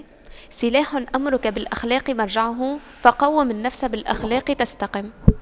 صلاح أمرك بالأخلاق مرجعه فَقَوِّم النفس بالأخلاق تستقم